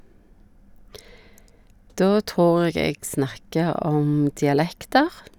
Da tror jeg jeg snakker om dialekter.